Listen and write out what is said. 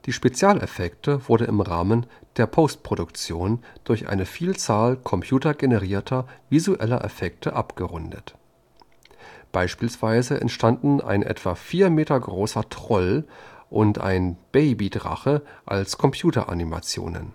Spezialeffekte wurden im Rahmen der Postproduktion durch eine Vielzahl computergenerierter visueller Effekte abgerundet. Beispielsweise entstanden ein etwa vier Meter großer Troll und ein Baby-Drache als Computeranimationen